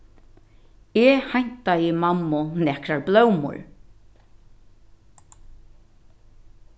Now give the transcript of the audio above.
eg heintaði mammu nakrar blómur